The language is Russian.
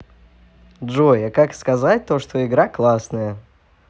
джой а как сказать то что игра классная